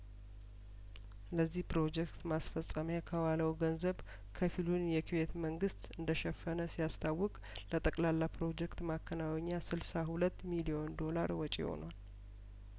ለዚህ ፕሮጀክት ማስፈጸሚያ ከዋለው ገንዘብ ከፊሉን የኩዌት መንግስት እንደሸፈነ ሲታወቅ ለጠቅላላ ፕሮጀክቱ ማከናወኛ ስልሳ ሁለት ሚሊዮን ዶላር ወጪ ሆኗል